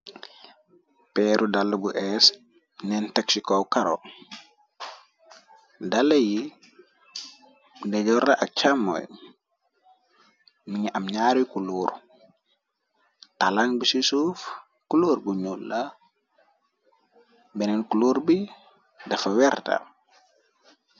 Peeru dall bu ees neen taxiko caro dala yi bdejorra ak cammoy mingi am ñaari kuluur talaang bi ci suuf kulour bu ñula beneen ku luur bi dafa werta.